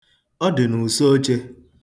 Ọ dị n'ụsọ oche.